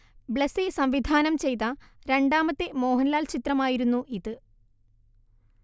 ബ്ലെസ്സി സംവിധാനം ചെയ്ത രണ്ടാമത്തെ മോഹൻലാൽ ചിത്രമായിരുന്നു ഇത്